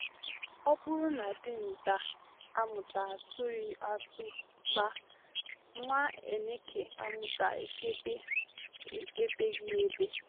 Ọ bụrụ na dinta amụta atụghị atụ gbaa, nwa eneke amụta efebe ebeghị ebe